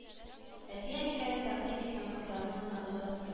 Әти-әниләре тәкъдим иткән кызларны гына озатты